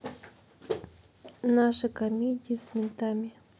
наши комедии с ментами